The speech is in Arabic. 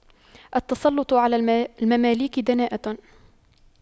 التسلُّطُ على المماليك دناءة